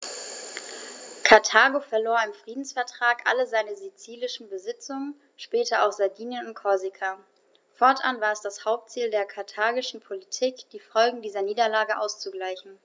Karthago verlor im Friedensvertrag alle seine sizilischen Besitzungen (später auch Sardinien und Korsika); fortan war es das Hauptziel der karthagischen Politik, die Folgen dieser Niederlage auszugleichen.